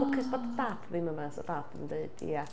Lwcus bod dad ddim yma, 'sa dad yn deud "ia".